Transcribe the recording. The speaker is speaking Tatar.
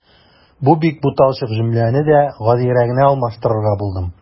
Бу бик буталчык җөмләне дә гадиерәгенә алмаштырырга булдым.